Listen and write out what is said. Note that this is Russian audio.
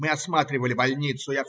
Мы осматривали больницу.